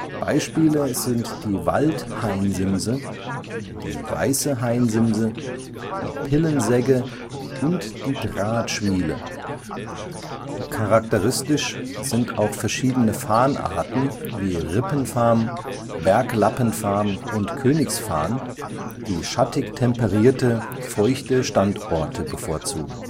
Beispiele sind die Wald-Hainsimse, die weiße Hainsimse, die Pillen-Segge und die Draht-Schmiele. Charakteristisch sind auch verschiedene Farnarten wie Rippenfarn, Berglappenfarn und Königsfarn, die schattig temperierte, feuchte Standorte bevorzugen